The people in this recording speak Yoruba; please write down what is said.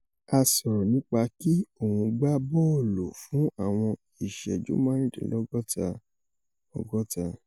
A sọ̀rọ̀ nípa kí òun gbá bọ́ọ̀lù fún àwọn ìṣẹ́jú márùndínlọ́gọ́ta, ọgọ́ta.